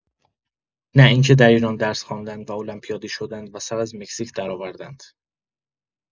نه این که در ایران درس خواندند و المپیادی شدند و سر از مکزیک درآوردند.